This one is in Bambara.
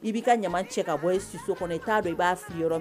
I b'i ka ɲama cɛ ka bɔ i si so kɔnɔ i t'a dɔn i b'a fili yɔrɔ min.